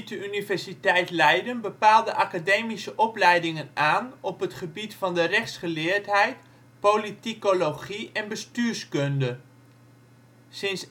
Universiteit Leiden bepaalde academische opleidingen aan op het gebied van de rechtsgeleerdheid, politicologie en bestuurskunde. Sinds